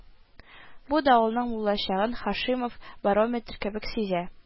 Бу давылның булачагын Һашимов барометр кебек сизә